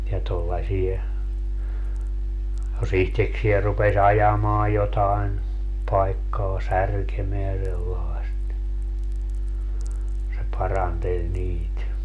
ja tuollaisia jos itsekseen rupesi ajamaan jotakin paikkaa särkemään sellaista niin se paranteli niitä